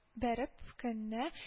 Бәреп кенә